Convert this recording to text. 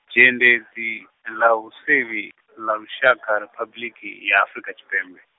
dzhendedzi, ḽa vhusevhi, ḽa lushaka, Riphabuḽiki ya Afrika Tshipembe.